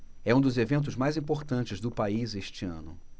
é um dos eventos mais importantes do país este ano